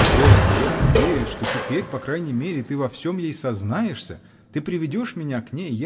-- Джемма, я надеюсь, что теперь по крайней мере ты во всем ей сознаешься, ты приведешь меня к ней.